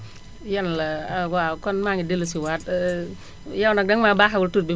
yan la waaw kon maa ngi dellusiwaat yow nag danga maa baaxeewul tur bi